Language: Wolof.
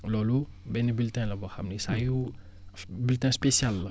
loolu benn bulletin la boo xam ni saa yu bulletin spécial la